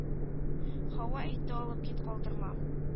Хава әйтте алып кит калдырма